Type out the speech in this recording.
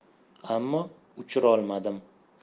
ammo uchirolmadim